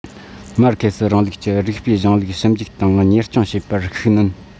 མར ཁེ སི རིང ལུགས ཀྱི རིགས པའི གཞུང ལུགས ཞིབ འཇུག དང གཉེར སྐྱོང བྱེད པར ཤུགས སྣོན